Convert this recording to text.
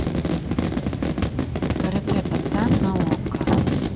карате пацан на окко